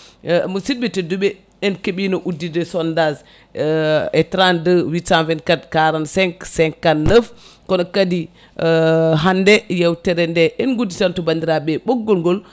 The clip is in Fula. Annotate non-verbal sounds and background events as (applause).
musidɓe tedduɓe en keɓino udditde sondage e 32 824 45 59 kono kadi (hesitation) hande yewtere nde en guditantu bandiraɓe ɓoggol ngol